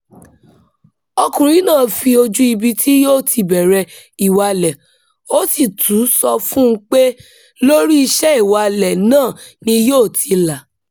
Ọkùnrin náà fi ojú ibi tí yóò ti bẹ̀rẹ̀ ìwalẹ̀, ó sì tún sọ fún un pé lórí iṣẹ́ ìwalẹ̀ náà ni yóò ti là.